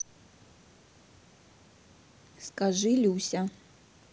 скажи люся